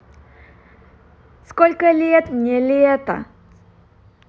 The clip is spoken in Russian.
сколько лет мне лето